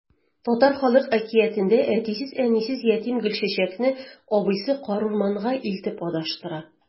Татар халык әкиятендә әтисез-әнисез ятим Гөлчәчәкне абыйсы карурманга илтеп адаштыра.